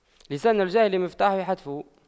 لسان الجاهل مفتاح حتفه